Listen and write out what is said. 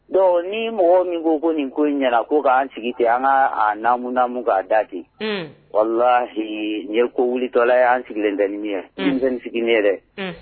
Don ni mɔgɔ min ko ko nin ko ɲɛna ko k'an sigi tɛ an kamuunamu k'a daki wala ɲ ko wulitɔla y'an sigilen tɛ ye n tɛ n sigilen ye dɛ